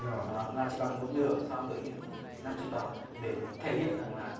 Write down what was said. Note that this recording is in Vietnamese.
là chỉ bằng một nửa so với những năm trước đó để thể hiện rằng là